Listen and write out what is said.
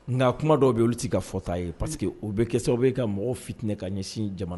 Nka kuma dɔw bɛ olu t'i ka fɔ ta ye. Un. parce que o bɛ kɛ sababu ka mɔgɔw fitinɛ ka ɲɛsin jamana